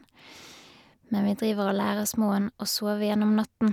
Men vi driver og lærer småen å sove gjennom natten.